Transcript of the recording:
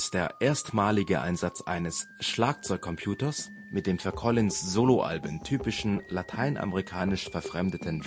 der erstmalige Einsatz eines Schlagzeugcomputers (Duchess) mit dem für Collins ' Soloalben typischen lateinamerikanisch verfremdeten